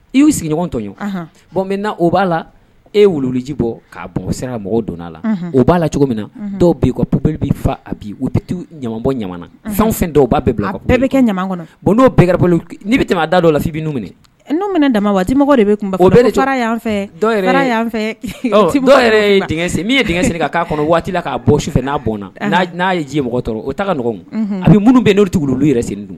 I' sigiɲɔgɔn tɔɔn bon u b'a la e wuluji bɔ k' bɔ sera mɔgɔw donna a la u b'a la cogo min na dɔw b u ka pp bɛ a bibɔ ɲa na fɛn fɛn dɔw b' bɛɛ bila bɛɛ bɛ kɛ don bɛɛoli n'i bɛ tɛmɛ a da dɔw la f'i bɛ num n'o mana dama waatimɔgɔ de bɛ yan fɛ dɔw fɛ min ye d sen ka kɔnɔ waatila k'a bɔ su fɛ n'a bɔn na n'a ye diɲɛ mɔgɔ o taa kaɔgɔn a bɛ minnu bɛn' tugu oluolu yɛrɛ sen don